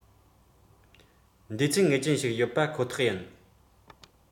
འདུས ཚད ངེས ཅན ཞིག ཡོད པ ཁོ ཐག ཡིན